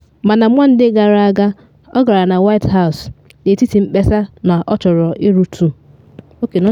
Mana Mọnde gara aga ọ gara na White House, n’etiti mkpesa na ọ chọrọ irutu.